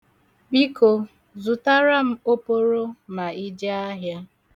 Biko, zụtara m oporo ma ị jee ahịa.